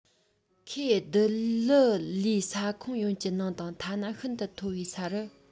ཁེ སྡི ལི ལའི ས ཁོངས ཡོངས ཀྱི ནང དང ཐ ན ཤིན ཏུ མཐོ བའི ས རུ